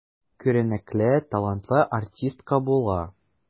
Күренекле, талантлы артистка була.